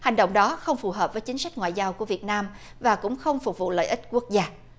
hành động đó không phù hợp với chính sách ngoại giao của việt nam và cũng không phục vụ lợi ích quốc gia